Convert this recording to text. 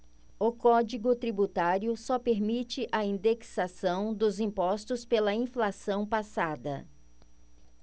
o código tributário só permite a indexação dos impostos pela inflação passada